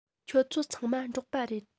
ཁྱོད ཚོ ཚང མ འབྲོག པ རེད